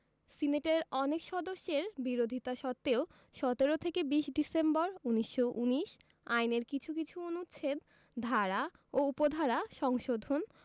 সিনেটের অনেক সদস্যের বিরোধিতা সত্ত্বেও ১৭ থেকে ২০ ডিসেম্বর ১৯১৯ আইনের কিছু কিছু অনুচ্ছেদ ধারা ও উপধারা সংশোধন